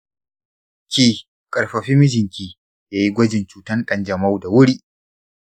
ki ƙarfafi mijinki yayi gwajin cutan ƙanjamau da wuri.